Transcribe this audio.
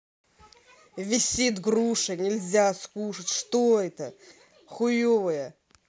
висит груша нельзя скушать что это хуевая